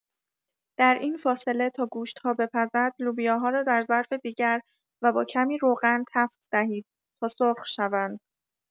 در این فاصله تا گوشت‌ها بپزد لوبیاها را در ظرف دیگر و با کمی روغن تفت دهید تا سرخ شوند.